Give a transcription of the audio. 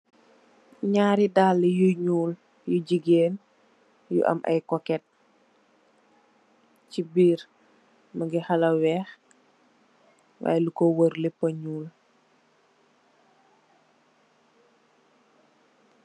Nyaari daal yu nyuul, bu jigeen, yu am aye koket, chi biir mungi xala weeh, waay luko weur lepa nyuul.